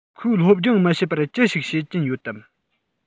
ཁོས སློབ སྦྱོང མི བྱེད པར ཅི ཞིག བྱེད ཀྱིན ཡོད དམ